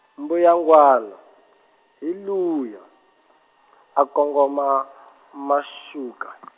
mbuyangwana, hi luyaa , a kongoma, maxuka .